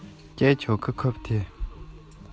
ངས འདི ལྟར བསམ